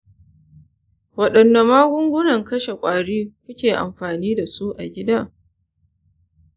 wadanne magungunan kashe kwari kuke amfani da su a gida?